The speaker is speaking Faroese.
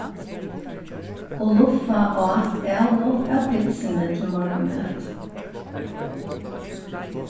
oluffa át avlop av pitsuni til morgunmat